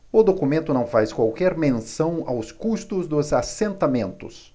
o documento não faz qualquer menção aos custos dos assentamentos